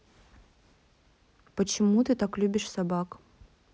почему ты так любишь собак